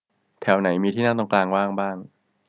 แถวไหนมีที่นั่งตรงกลางว่างบ้าง